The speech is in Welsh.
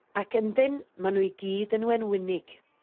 Ac yndyn ma' n'w i gyd yn wenwynig.